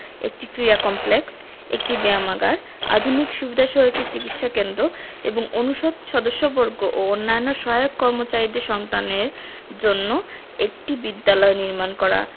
একটি ক্রীড়া কমপ্লেক্স একটি ব্যায়ামাগার আধুনিক সুবিধাসহ একটি চিকিৎসা কেন্দ্র এবং অনুষদ সদস্যবর্গ ও অন্যান্য সহায়ক কর্মচারীদের সন্তানদের জন্য একটি বিদ্যালয় নির্মাণ করা